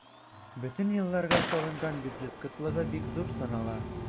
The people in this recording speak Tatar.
Бөтен елларга салынган бюджет кытлыгы бик зур санала.